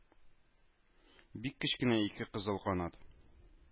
Бик кечкенә ике кызыл канат